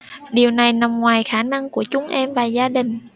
điều này năm ngoài khả năng của chúng em và gia đình